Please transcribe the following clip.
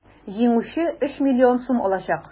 Җиңүче 3 млн сум алачак.